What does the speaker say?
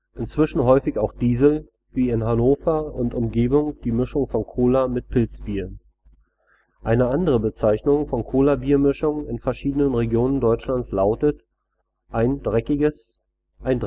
inzwischen häufig auch Diesel, wie in Hannover und Umgebung die Mischung von Cola mit Pils-Bier. Eine andere Bezeichnung von Cola-Bier-Mischungen in verschiedenen Regionen Deutschlands lautet (ein) Dreckiges. Im